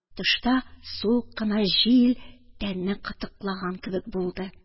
Тышта суык кына җил тәнне кытыклаган кебек булды